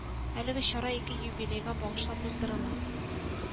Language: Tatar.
Әлеге чара ике юбилейга багышлап уздырыла